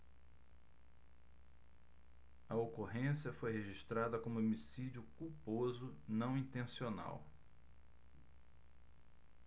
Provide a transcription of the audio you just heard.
a ocorrência foi registrada como homicídio culposo não intencional